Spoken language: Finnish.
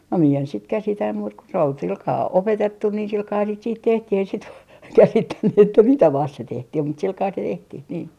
no minä en sitten käsitä muuta kuin se oli sillä kalella opetettu niin sillä kalellahan sitä sitten tehtiin ei sitten käsittänyt että mitä vasten se tehtiin mutta sillä kalella se tehtiin niin